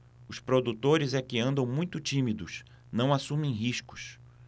os produtores é que andam muito tímidos não assumem riscos